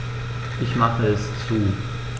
Ich mache es zu.